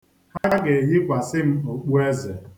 Ha ga-eyikwasị m okpu eze.